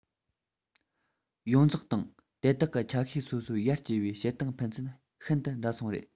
ཡོངས རྫོགས དང དེ དག གི ཆ ཤས སོ སོའི ཡར སྐྱེ བའི བྱེད སྟངས ཕན ཚུན ཤིན ཏུ འདྲ མཚུངས རེད